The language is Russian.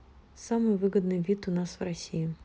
самый выгодный вид у нас в россии